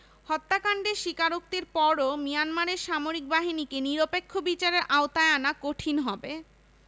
হত্যাকাণ্ডের স্বীকারোক্তির পরও মিয়ানমারের সামরিক বাহিনীকে নিরপেক্ষ বিচারের আওতায় আনা কঠিন হবে